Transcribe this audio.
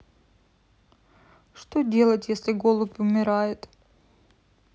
что делать если голубь умирает